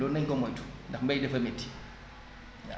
loolu nañ ko moytu ndax mbay dafa métti waaw